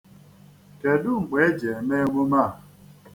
Kedu mgbe e ji eme emume a?